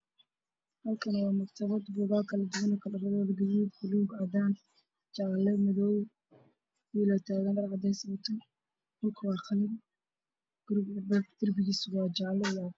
Hal kaani waa magtabad midab keedu waa madow, cadaan, buluug waxaa agtagan will dhar cadaan ah wata